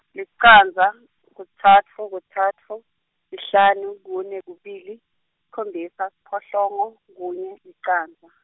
licandza, kutsatfu kutsatfu, sihlanu kune kubili, sikhombisa siphohlongo, kunye, licandza.